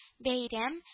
Бәйрәм